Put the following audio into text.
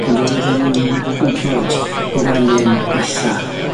ond fe fyddan nhw'n gwybod bod angen gwella